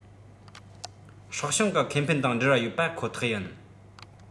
སྲོག ཤིང གི ཁེ ཕན དང འབྲེལ བ ཡོད པ ཁོ ཐག ཡིན